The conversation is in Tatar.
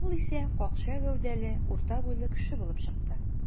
Ул исә какча гәүдәле, урта буйлы кеше булып чыкты.